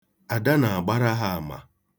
Ada na-agbara ha ama.